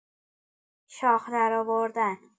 شاخ درآوردن